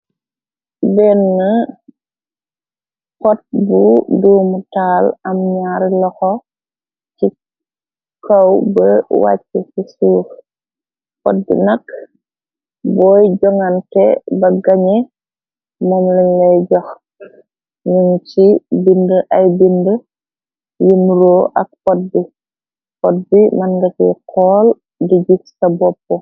Denn xot bu duumu taal am ñaari loxo ci kow ba wàcc ci suuf pot bi nak booy jongante ba gañe momliñ lay jox nin ci bind ay bind yin roo ak pot bi pot bi mën nga ci xool di jig sa bopp.